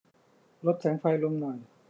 ลดแสงไฟลงหน่อย